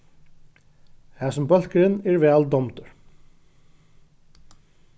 hasin bólkurin er væl dámdur